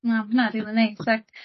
Na na digwyddiad neis